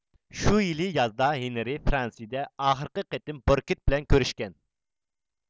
شۇ يىلى يازدا ھېنرى فرانسىيىدە ئاخىرقى قېتىم بوركىت بىلەن كۆرۈشكەن